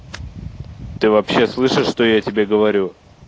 ты вообще слышишь что я тебе говорю